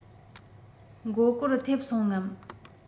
མགོ སྐོར ཐེབས སོང ངམ